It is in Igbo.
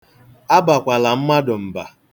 Abakwala mmadụ mba.